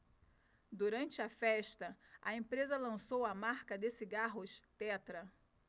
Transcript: durante a festa a empresa lançou a marca de cigarros tetra